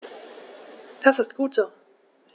Das ist gut so.